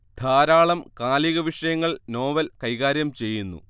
ധാരാളം കാലിക വിഷയങ്ങൾ നോവൽ കൈകാര്യം ചെയ്യുന്നു